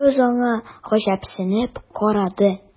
Кыз аңа гаҗәпсенеп карады.